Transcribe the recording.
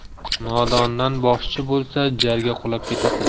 nodondan boshchi bo'lsa jarga qulab ketasan